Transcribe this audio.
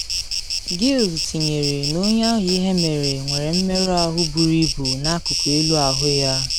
Giles tinyere na onye ahụ ihe mere nwere mmerụ ahụ buru ibu n’akụkụ elu ahụ ya.